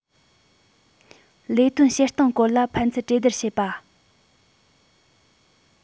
ལས དོན བྱེད སྟངས སྐོར ལ ཕན ཚུན གྲོས སྡུར བྱེད པ